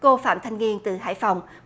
cô phạm thanh viên từ hải phòng